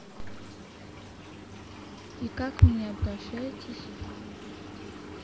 и как мне обращайтесь